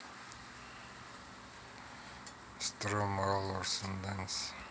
stromae alors on danse